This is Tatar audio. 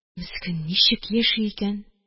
Мескен, ничек яши икән